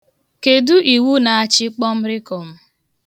Kedụ iwu na-achị kpọm rịkọm?